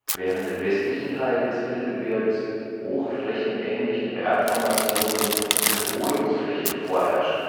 während im westlichen Teil des Mittelgebirges hochflächenähnliche Bergformationen mit Rodungsflächen vorherrschen